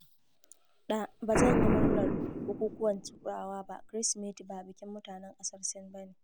ɗa: Ba zan yi murnar bukukuwan Turawa ba, Kirsimeti ba bikin mutanen ƙasar Sin ba ne.